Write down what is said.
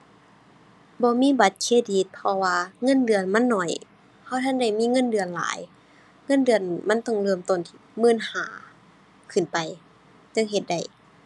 บ่มีบัตรเครดิต เพราะว่าเงินเดือนมันน้อย เราทันได้มีเงินเดือนหลาย เงินเดือนมันต้องเริ่มต้นที่หมื่นห้าขึ้นไป จั่งเฮ็ดได้